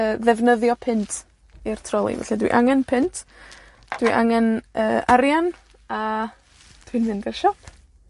yy ddefnyddio punt i'r troli. Felly dwi angen punt, dwi angen yy arian, a dwi'n mynd i'r siop.